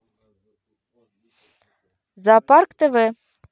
зоопарк тв